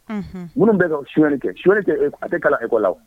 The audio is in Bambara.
Unhun, minnu bɛ ka o sonyali kɛ, sonyali tɛ a tɛ kalan ecole la wo.